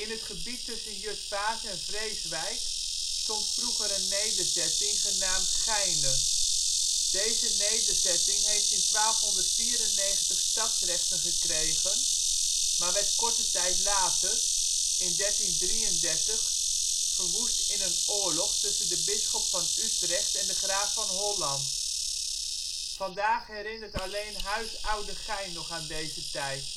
het gebied tussen Jutphaas en Vreeswijk stond vroeger een nederzetting genaamd Geyne. Deze nederzetting heeft in 1294 stadsrechten gekregen maar werd korte tijd later, in 1333 verwoest in een oorlog tussen de bisschop van Utrecht en de graaf van Holland. Vandaag herinnert alleen Huis Oudegein nog aan deze tijd